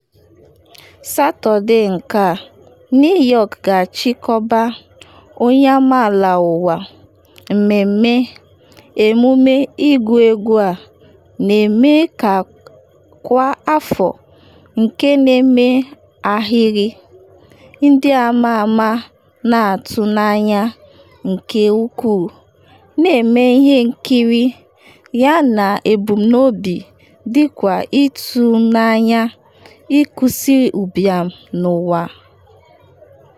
Satọde nke a New York ga-achịkọba Global Citizen Festival, emume ịgụ egwu a na-eme kwa afọ nke na-enwe ahịrị ndị ama ama na-atụ n’anya nke ukwuu na-eme ihe nkiri, yana ebumnobi dịkwa ịtụnanya; ịkwụsị ụbịam n’ụwa.